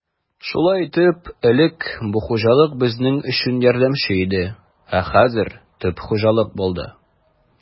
Шулай итеп, элек бу хуҗалык безнең өчен ярдәмче иде, ә хәзер төп хуҗалык булды.